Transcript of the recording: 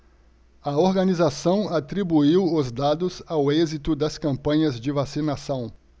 a organização atribuiu os dados ao êxito das campanhas de vacinação